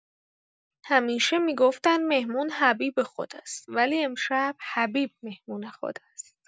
همیشه می‌گفتن مهمون حبیب خداست ولی امشب حبیب مهمون خداست!